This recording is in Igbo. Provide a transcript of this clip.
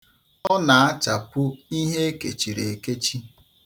Ọ na-achapu ihe e kechiri ekechi.